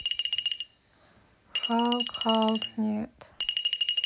халк халк нет